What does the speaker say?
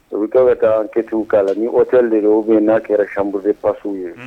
U ka bɛ taa kɛtigiww'a la ni otɛ de ye u bɛ n'a kɛra sanmmurue pasiww ye